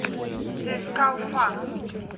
цска уфа